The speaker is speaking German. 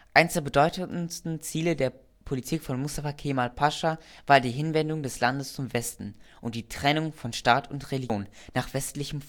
Eins der bedeutendsten Ziele der Politik von Mustafa Kemal Pascha war die Hinwendung des Landes zum Westen und die Trennung von Staat und Religion nach westlichem Vorbild